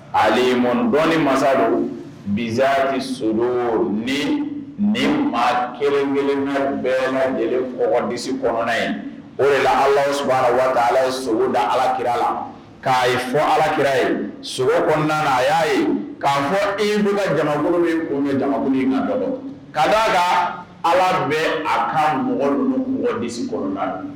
Ali mdɔɔni masadu bizari soro ni ni maa kelenkelenw bɛ ɲɔgɔn de fɔ disi kɔnɔna ye o de la ala su ala ye sogoda alaki kira la k'a ye fɔ alaki kira ye sogo kɔnɔna a y'a ye k'a fɔ i bolojabolo min tun bɛjabolo in dɔgɔ ka d a da ala bɛ a ka mɔgɔ disi kɔnɔna